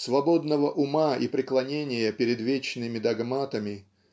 свободного ума и преклонения перед вечными догматами